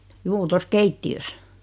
juu tuossa keittiössä